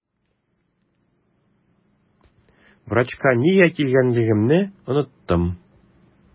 Врачка нигә килгәнлегемне оныттым.